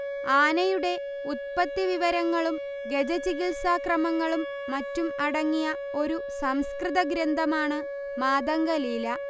ആനയുടെ ഉത്പത്തിവിവരങ്ങളും ഗജചികിത്സാക്രമങ്ങളും മറ്റും അടങ്ങിയ ഒരു സംസ്കൃത ഗ്രന്ഥമാണ് മാതംഗലീല